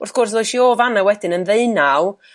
wrth gwrs ddoisi o fan 'na wedyn ddeunaw